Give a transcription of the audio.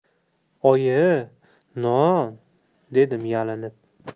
oyi i non dedim yalinib